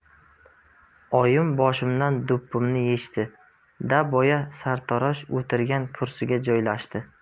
oyim boshimdan do'ppimni yechdi da boya sartarosh o'tirgan kursiga joylashdi